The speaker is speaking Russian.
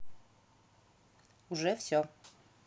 уже все